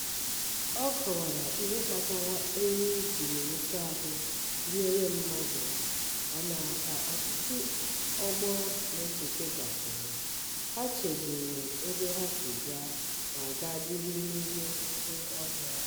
Ọ kọwara ihe kpatara ényí jiri wụsa ahụ binyere mmadụ mana, ka ọtụtụ ọgbọ na-esote gasịrị, ha chezoro ebe ha si bịa ma gaa bịrị n'ime oke ọhịa.